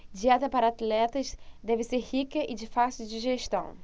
dieta para atletas deve ser rica e de fácil digestão